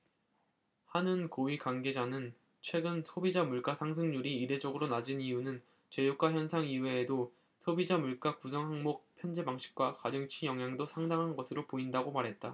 한은 고위 관계자는 최근 소비자물가상승률이 이례적으로 낮은 이유는 저유가 현상 이외에도 소비자물가 구성항목 편제방식과 가중치 영향도 상당한 것으로 보인다고 말했다